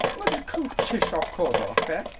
Meddwl jyst culture shock odd o ocê?